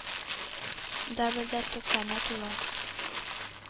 Да, бер дә туксаны тула